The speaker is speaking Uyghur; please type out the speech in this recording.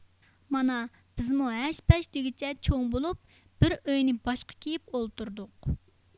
مانا بىزمۇ ھەش پەش دېگۈچە چوڭ بولۇپ بىر ئۆينى باشقا كىيىپ ئولتۇردۇق